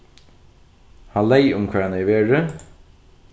hann leyg um hvar hann hevði verið